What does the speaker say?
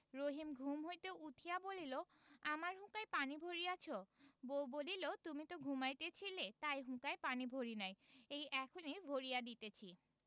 রহিম ঘুম হইতে উঠিয়া বলিল আমার হুঁকায় পানি ভরিয়াছ বউ বলিল তুমি তো ঘুমাইতেছিলে তাই হুঁকায় পানি ভরি নাই এই এখনই ভরিয়া দিতেছি